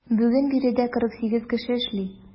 Бүген биредә 48 кеше эшли.